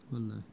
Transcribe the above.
wallahi